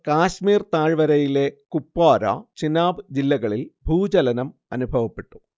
കാശ്മീർ താഴ്വരയിലെ കുപ്വാര, ചിനാബ് ജില്ലകളിൽ ഭൂചലനം അനുഭവപ്പെട്ടു